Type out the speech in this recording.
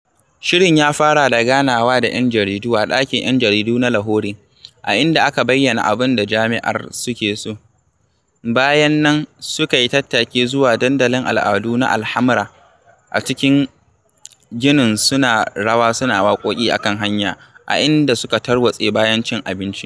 Shirin ya fara da ganawa da 'yan jaridu a ɗakin 'Yan Jaridu na Lahore, a inda aka bayyana abin da jama'ar suke so; bayan nan suka yi tattaki zuwa Dandalin Al'adu na Al Hamra a cikin ginin suna rawa suna waƙoƙi a kan hanya, a inda suka tarwatse bayan cin abinci.